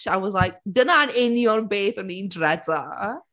I was like, dyna’n union beth o’n i’n dredo.